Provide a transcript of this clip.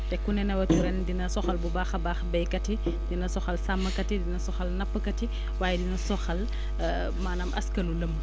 te ku ne nawetu ren dina soxal bu baax a baax béykat yi dina soxal sàmmkat yi dina soxal nappkat yi waaye dia soxal maanaam askanu lëmm